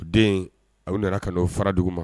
Den a nana ka n'o fara dugu ma